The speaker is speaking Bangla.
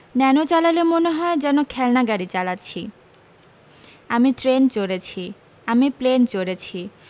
ন্যানো চালালে মনে হয় যেন খেলনা গাড়ী চালাচ্ছি আমি ট্রেন চড়েছি আমি প্লেন চড়েছি